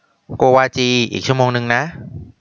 โกวาจีอีกชั่วโมงนึงนะ